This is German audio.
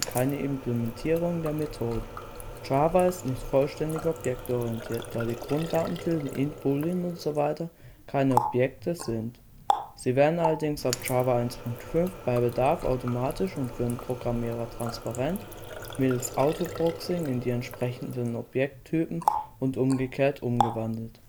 keine Implementierungen der Methoden. Java ist nicht vollständig objektorientiert, da die Grunddatentypen (int, boolean usw.) keine Objekte (siehe auch unter Java-Syntax) sind. Sie werden allerdings ab Java 1.5 bei Bedarf automatisch und für den Programmierer transparent, mittels Autoboxing in die entsprechenden Objekttypen und umgekehrt umgewandelt